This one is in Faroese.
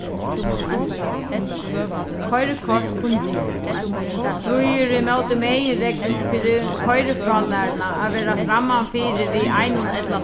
koyrikortkunngerð tað stríðir ímóti meginreglunum koyrifrálæruna at vera framman fyri við einum ella